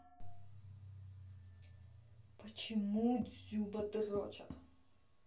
почему дзюба дрочат